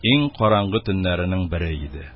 Иң караңгы төннәреннән бере иде.